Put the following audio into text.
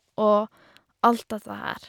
Og alt dette her.